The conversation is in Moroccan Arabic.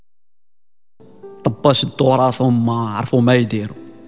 عباس الدكتور اسامه عارف ومايدير